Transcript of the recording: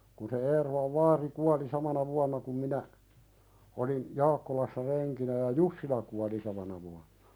kun se Eerolan vaari kuoli samana vuonna kuin minä olin Jaakkolassa renkinä ja Jussila kuoli samana vuonna